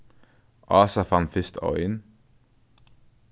ása fann fyrst ein